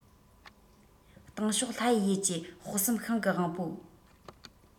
སྟེང ཕྱོགས ལྷ ཡི ཡུལ གྱི དཔག བསམ ཤིང གི དབང པོ